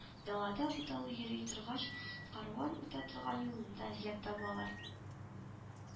Далада буталы йөри торгач, карван үтә торган юлны да эзләп табалар